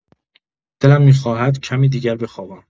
دلم می‌خواهد کمی دیگر بخوابم.